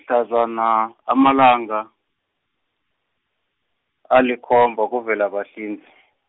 mhlazana amalanga, alikhomba kuVelabahlinze.